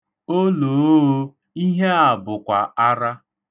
Olooo! Ihe a bụkwa ara!